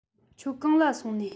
ཁྱོད གང ལ སོང ནས